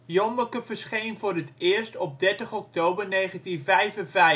Jommeke verscheen voor het eerst op 30 oktober 1955 in